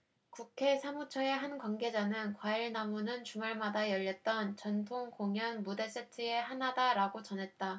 국회 사무처의 한 관계자는 과일나무는 주말마다 열렸던 전통공연 무대세트의 하나다라고 전했다